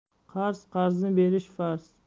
qarz qarzni berish farz